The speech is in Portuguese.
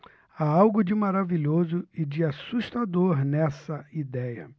há algo de maravilhoso e de assustador nessa idéia